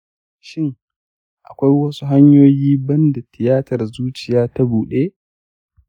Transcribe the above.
shin, akwai wasu hanyoyi ban da tiyatar zuciya ta buɗe?